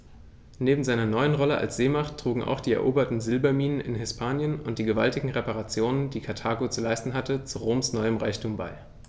Neben seiner neuen Rolle als Seemacht trugen auch die eroberten Silberminen in Hispanien und die gewaltigen Reparationen, die Karthago zu leisten hatte, zu Roms neuem Reichtum bei.